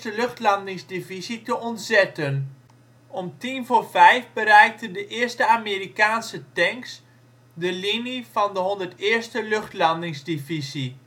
Luchtlandingsdivisie te ontzetten. Om tien voor vijf bereikte de eerste Amerikaanse tanks de linie van de 101e Luchtlandingsdivisie